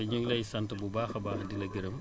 ñu ngi lay sant bu baax a baax di la gërëm